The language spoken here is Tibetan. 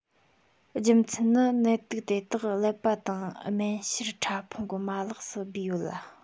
རྒྱུ མཚན ནི ནད དུག དེ དག ཀླད པ དང རྨེན གཤེར ཕྲ ཕུང གི མ ལག ཏུ སྦས ཡོད ལ